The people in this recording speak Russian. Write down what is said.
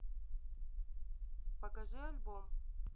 покажи альбом